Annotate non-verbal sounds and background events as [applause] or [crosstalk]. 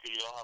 [hesitation] [hesitation]